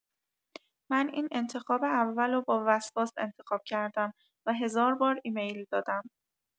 من این انتخاب اولو با وسواس انتخاب کردم و هزار بار ایمیل دادم.